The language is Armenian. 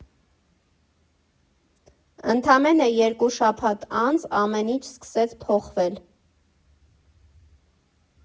Ընդամենը երկու շաբաթ անց ամեն ինչ սկսեց փոխվել։